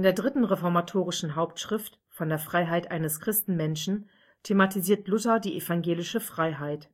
der dritten reformatorischen Hauptschrift Von der Freiheit eines Christenmenschen thematisiert Luther die evangelische Freiheit.